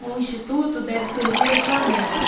um instituto deve servir à sua meta